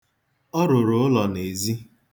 O ruru ụlọ n'ezi.